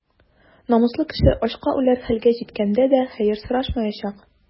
Намуслы кеше ачка үләр хәлгә җиткәндә дә хәер сорашмаячак.